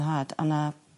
...nhad. O' 'na...